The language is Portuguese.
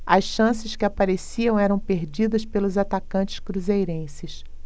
as chances que apareciam eram perdidas pelos atacantes cruzeirenses